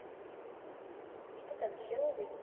что там херовый